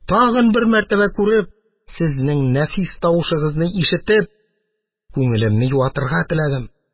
Тагын бер мәртәбә күреп, сезнең нәфис тавышыгызны ишетеп, күңелемне юатырга теләдем.